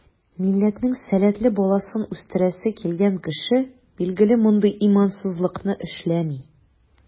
Милләтнең сәләтле баласын үстерәсе килгән кеше, билгеле, мондый имансызлыкны эшләми.